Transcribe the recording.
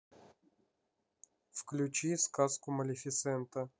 включи сказку малифисента